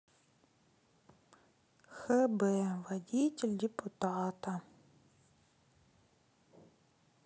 хб водитель депутата